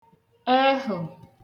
ẹhụ